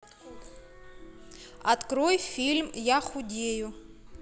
открой фильм я худею